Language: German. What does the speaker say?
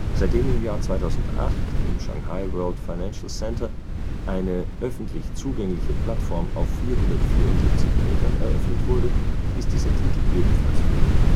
Seitdem im Jahr 2008 im Shanghai World Financial Center eine öffentlich zugängliche Plattform auf 474 Meter eröffnet wurde, ist dieser Titel ebenfalls verloren